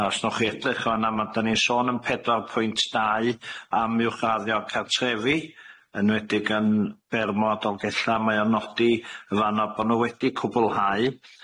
a os nowch chi edrych fan'na ma' dan ni'n sôn yn pedaw pwynt dau am uwchraddio cartrefi enwedig yn Bermo a Dolgella mae o'n nodi yn fan'o bo' n'w wedi cwbwlhau.